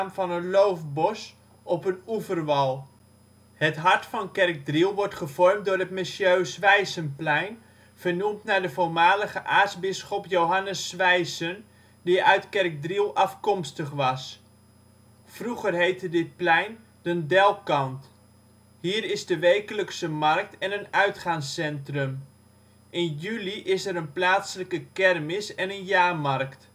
een loofbos op een oeverwal. Kaart (Maas) Driel Het hart van Kerkdriel wordt gevormd door het Mgr. Zwijsenplein, vernoemd naar voormalig aartsbisschop Joannes Zwijsen die uit Kerkdriel afkomstig was. Vroeger heette dit plein D 'n Delkant. Hier is de wekelijkse markt en een uitgaanscentrum. In juli is er een plaatselijke kermis en een jaarmarkt